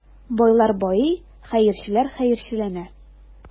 Байлар байый, хәерчеләр хәерчеләнә.